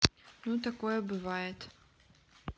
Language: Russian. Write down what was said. ну такое бывает